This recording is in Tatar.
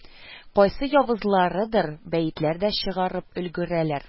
Кайсы явызларыдыр бәетләр дә чыгарып өлгерәләр